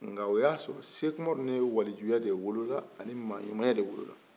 n nka o y'a sɔrɔ sɛkumaru ni walejuya de wele ni walehile